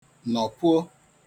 nọ̀puo